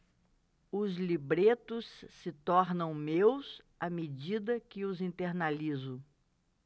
os libretos se tornam meus à medida que os internalizo